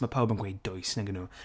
Ma' pawb yn gweud dwys nag 'yn nhw.